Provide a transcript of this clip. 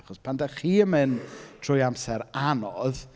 Achos pan dach chi yn mynd trwy amser anodd...